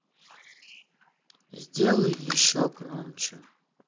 сделай еще громче